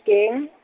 keng.